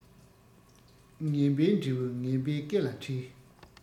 ངན པའི འབྲས བུ ངན པའི སྐེ ལ འཁྲིལ